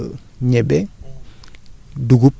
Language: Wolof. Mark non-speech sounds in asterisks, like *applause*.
*smacks lips* moom mooy *hesitation* ñebe